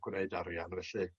gwneud arian felly.